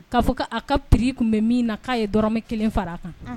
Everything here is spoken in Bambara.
K kaa fɔ' a ka piri tun bɛ min na k'a yeɔrɔmɛ kelen fara a kan